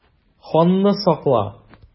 Ханны сакла!